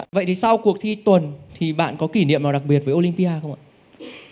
vậy đi sau cuộc thi tuần thì bạn có kỷ niệm nào đặc biệt với ô lim pi a không ạ